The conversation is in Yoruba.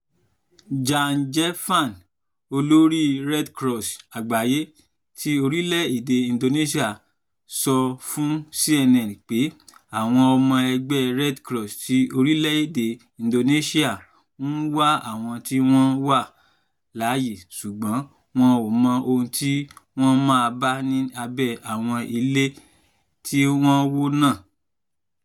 Jan Gelfand, olórí Red Cross Àgbáyé ti orílẹ̀-èdè Indonesia sọ fún CNN pé: “Awọn ọmọ ẹgbẹ́ Red Cross ti orílẹ̀-èdè Indonesia ń wá àwọn tí wọ́n wà láàyè sùgbọ́n wọn ‘ò mọ ohun tí wọ́n máa bá ní abẹ́ àwọn ilé t’ọ́n wọ́n náà.